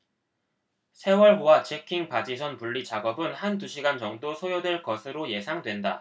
세월호와 잭킹 바지선 분리 작업은 한 두 시간 정도 소요될 것으로 예상된다